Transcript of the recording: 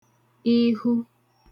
ihu